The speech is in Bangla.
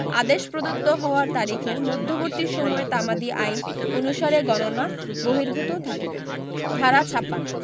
আদেশ প্রদত্ত হওয়ার তারিখের মধ্যবর্তী সময় তামাদি আইন অনুসারে গণনা বহির্ভুত থাকিবে ধারা ৫৬